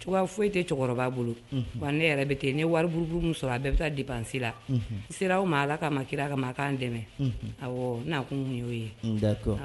Cogoya foyi e tɛ cɛkɔrɔba bolo wa ne yɛrɛ bɛ kɛ ne wariuru min sɔrɔ a bɛɛ bɛ taa di bansi la n sera o ma ala k ka ma kira ka'an dɛmɛ n'a kun y'o ye